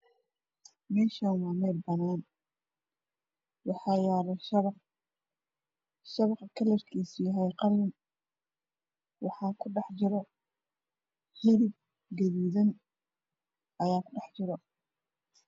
Meeshan waxaa yaalo shabaq kalarkiisana waa qalin waxaana ku dhexjiro hilib jikin ah